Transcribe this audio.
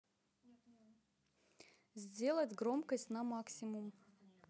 сделать громкость на максимум